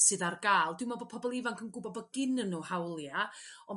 sydd ar ga'l dwi m'el bo' pobol ifanc yn gwbo' bo' gin yn n'w hawlia' ond